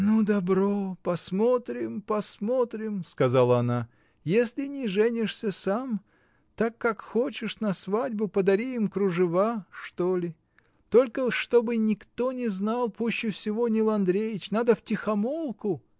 — Ну, добро, посмотрим, посмотрим, — сказала она, — если не женишься сам, так как хочешь, на свадьбу подари им кружева, что ли: только чтобы никто не знал, пуще всего Нил Андреич. надо втихомолку.